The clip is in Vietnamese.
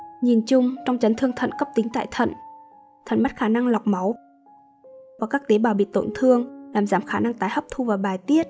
nhìn chung trong chấn thương thận cấp tại thận thận mất khả năng lọc máu và các tế bào bị tổn thương làm giảm khả năng tái hấp thu và bài tiết